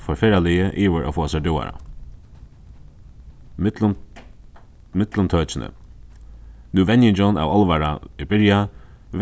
fór ferðaliðið yvir at fáa sær døgurða millum millum tøkini nú venjingin av álvara er byrjað